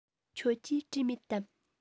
ཁྱོད ཀྱིས བྲིས མེད དམ